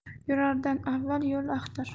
yurardan avval yo'l axtar